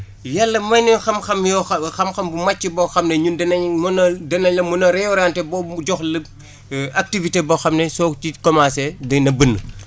yàlla may ñu xam-xam yoo xam-xam bu màcc boo xam ne ñun danañ mën a danañ la mën a réorienté ba mu jox la activité boo xam ne soo ci commencé dinañ la bind